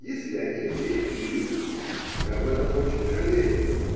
Если они евреев не любят, мы об этом очень жалеем